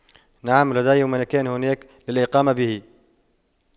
نعم لدي مكان هناك للإقامة به